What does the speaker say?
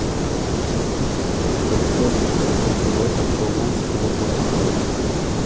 расскажи кто председатель поволжского банка